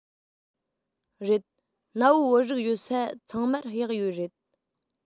རེད གནའ བོའི བོད རིགས ཡོད ས ཚང མར གཡག ཡོད རེད